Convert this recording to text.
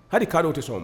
Hali kadiw tɛ sɔn